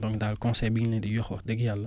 donc daal conseil bi ñu leen di jox wax dëgg yàlla